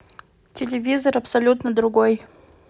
телевизор абсолютно любой